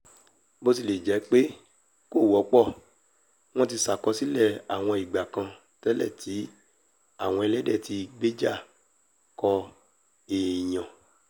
Bó tilẹ̀ jẹ́ pé kò wọ́pọ̀, wọ́n ti ṣàkọsílẹ̀ àwọn ìgbà kan tẹ́lẹ̀ tí àwọn ẹlẹ́dẹ̀ ti gbéjà ko èèyàn.